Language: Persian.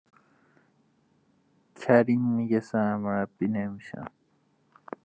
کریم می‌گه سرمربی نمی‌شم